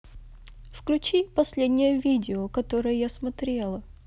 включи последнее видео которое я смотрела